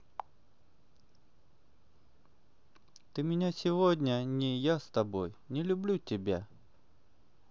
ты меня сегодня не я с тобой не люблю тебя